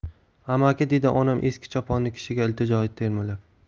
amaki dedi onam eski choponli kishiga iltijoli termilib